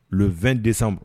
Le. 20 decembre